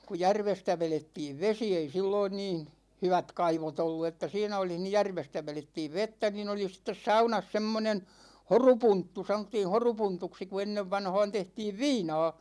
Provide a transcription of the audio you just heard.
kun järvestä vedettiin vesi ei silloin niin hyvät kaivot ollut että siinä olisi niin järvestä vedettiin vettä niin oli sitten saunassa semmoinen horupunttu sanottiin horupuntuksi kun ennen vanhaan tehtiin viinaa